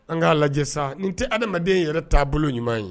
An k'a lajɛ sa nin tɛ adamaden yɛrɛ taa bolo ɲuman ye